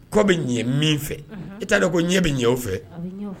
Kɔ bɛ ɲɛ min fɛ i t'a dɔn ko ɲɛ bɛ ɲɛ fɛ